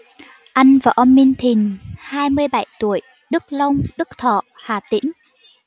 anh võ minh thìn hai mươi bảy tuổi đức long đức thọ hà tĩnh